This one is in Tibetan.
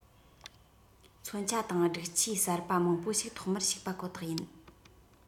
མཚོན ཆ དང སྒྲིག ཆས གསར པ མང པོ ཞིག ཐོག མར ཞུགས པ ཁོ ཐག ཡིན